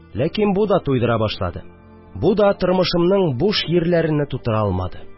Ләкин бу да туйдыра башлады, бу да тормышымның буш җирләрене тутыра алмады